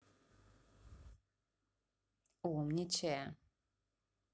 умничая